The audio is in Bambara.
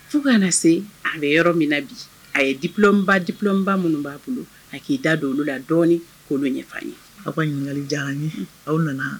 Fo ka kana na se a bɛ yɔrɔ min na bi a yebaba minnu b'a bolo a k'i da don olu la dɔɔninɔni kolo ye aw ka ɲininkakali aw nana